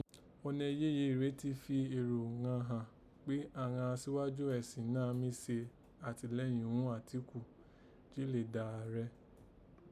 Ọnẹ yeye rèé tí fi èrò ghan hàn pé àghan asíwájú ẹ̀sìn náà mí se àtìlẹ́yìn ghún Àtíkù jí lè dà ààrẹ